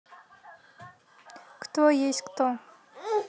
кто есть кто